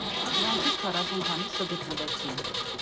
Դրանցից քառասուն քանիսը գտնվեցին։